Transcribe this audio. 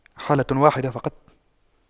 حالة واحدة فقط